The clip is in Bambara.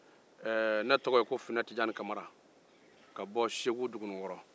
ne tɔgɔ ye ko fune tijani kamara ka bɔ segu duguninkɔrɔ